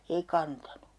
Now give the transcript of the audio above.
eikä antanut